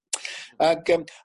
Ag yym